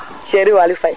cherie Waly Faye